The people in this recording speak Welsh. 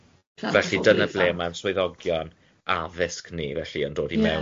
plant a phobl ifanc. Felly dyna ble mae'r swyddogion addysg ni felly yn dod i mewn